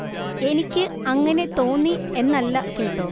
എനിക്ക് അങ്ങനെ തോന്നി എന്നല്ല കേട്ടോ